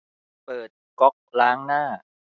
เปิดก๊อกล้างหน้า